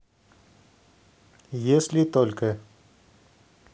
если только